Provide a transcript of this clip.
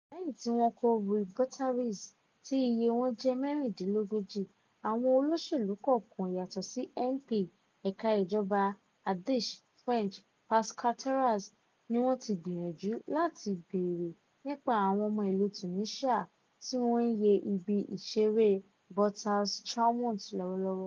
Lẹ́yìn tí wọ́n kó rue Botzaris tí iye wọn jẹ́ mẹ́rìndínlógójì, àwọn olóṣèlú kọ̀ọ̀kan - yàtọ̀ sí MP ẹ̀ka ìjọba Ardèche French, Pascal Terrasse- ni wọ́n ti gbìyànjú láti bèèrè nípa àwọn ọmọ ìlú Tunisia tí wọ́n ń ye ibi ìṣeré Butters Chaumont lọ́wọ́ lọ́wọ́.